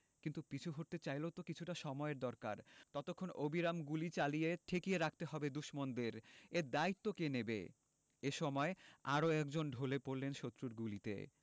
কিন্তু পিছু হটতে চাইলেও কিছুটা সময় দরকার ততক্ষণ অবিরাম গুলি চালিয়ে ঠেকিয়ে রাখতে হবে দুশমনদের এ দায়িত্ব কে নেবে এ সময় আরও একজন ঢলে পড়লেন শত্রুর গুলিতে